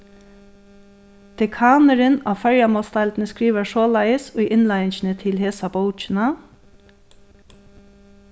dekanurin á føroyamálsdeildini skrivar soleiðis í innleiðingini til hesa bókina